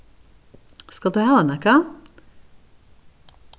skalt tú hava nakað